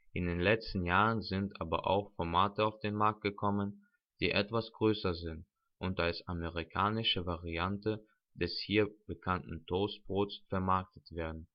In den letzten Jahren sind aber auch Formate auf den Markt gekommen, die etwas größer sind und als amerikanische Variante des hier bekannten Toastbrots vermarktet werden